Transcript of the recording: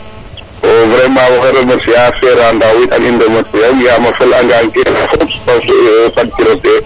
vraiment waxay remercier a FERA nda wo it xa i remercier ong yaam a fel angan kene fop fad kiro te